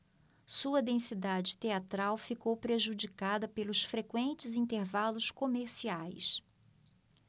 sua densidade teatral ficou prejudicada pelos frequentes intervalos comerciais